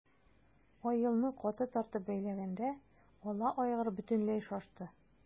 Аелны каты тартып бәйләгәндә ала айгыр бөтенләй шашты.